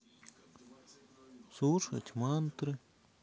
слушать мантры